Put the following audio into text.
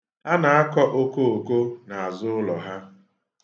Ha na-akọ okooko n'azụ ụlọ ha.